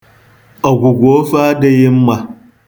Ọgwụgwọ ofe adịghị mma.